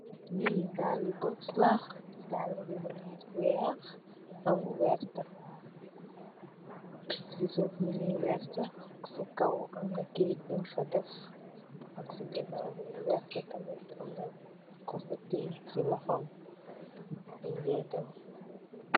Dalli bos la, dalliyi yu wèèx la am tamit lu werta, am na kuko teyeh.